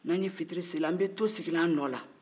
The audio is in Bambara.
n'an ye fitiri seli an bɛ to sigilen an nɔ la